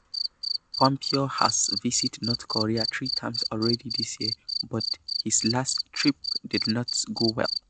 Pompeo has visited North Korea three times already this year, but his last trip did not go well.